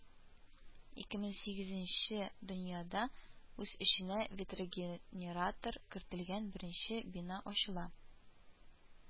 Ике мең сигезенче дөньяда үз эченә ветроге нератор кертелгән беренче бина ачыла